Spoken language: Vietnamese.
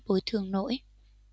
bồi thường nổi